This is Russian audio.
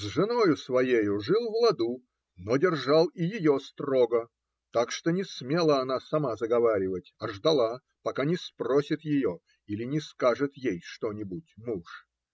С женою своею жил в ладу, но держал и ее строго, так, что не смела она сама заговаривать, а ждала, пока не спросит ее или не скажет ей что-нибудь муж.